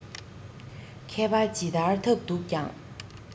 མཁས པ ཇི ལྟར ཐབས རྡུགས ཀྱང